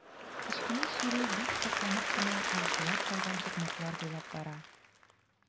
Кечкенә чирү бик сакланып кына аучылар салган сукмаклар буйлап бара.